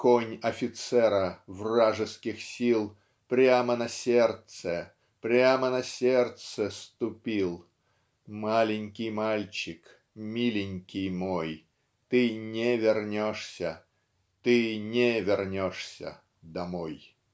Конь офицера Вражеских сил Прямо на сердце, Прямо на сердце ступил. Маленький мальчик Миленький мой Ты не вернешься Ты не вернешься домой.